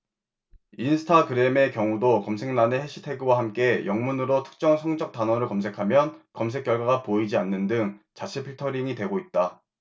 인스타그램의 경우도 검색란에 해시태그와 함께 영문으로 특정 성적 단어를 검색하면 검색 결과가 보이지 않는 등 자체 필터링이 되고 있다